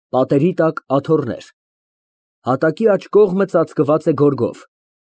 Պատերի տակ աթոռներ։ Հատակի աջ կողմը ծածկված գորգով։